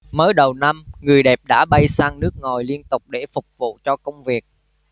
mới đầu năm người đẹp đã bay sang nước ngoài liên tục để phục vụ cho công việc